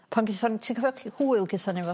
Pan gethon ti'n hy- hwyl gethon ni efo...